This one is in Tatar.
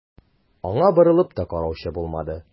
Аңа борылып та караучы булмады.